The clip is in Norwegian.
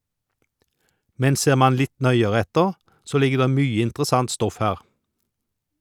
Men ser man litt nøyere etter, så ligger det mye interessant stoff her.